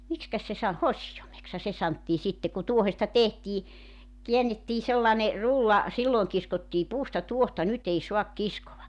miksikäs se - hosioimeksihan se sanottiin sitten kun tuohesta tehtiin käännettiin sellainen rulla silloin kiskottiin puusta tuohta nyt ei saa kiskoa